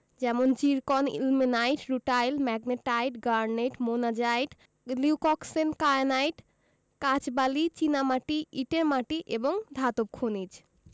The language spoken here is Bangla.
যেমন zircon ilmenite rutile magnetite garnet monazite leucoxene kyanite কাঁচবালি চীনামাটি ইটের মাটি এবং ধাতব খনিজ